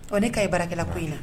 Ko ne ka ye barakɛla ko in na